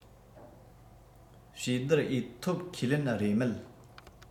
ཕྱིས བསྡུར འོས ཐོབ ཁས ལེན རེ མེད